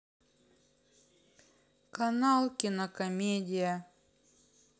канал кинокомедия